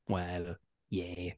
Wel, ie.